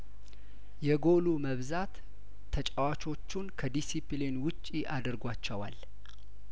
የጐሉ መብዛት ተጫዋቾቹን ከዲሲፕሊን ውጪ አድርጓቸዋል